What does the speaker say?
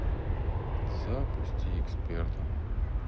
запусти эксперта